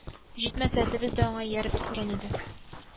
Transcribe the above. Яшьләр, чишенеп, өстәл янына уздылар.